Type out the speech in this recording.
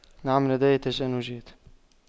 نعم لدي تشنجات